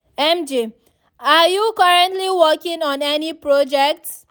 MJ: Are you currently working on any projects?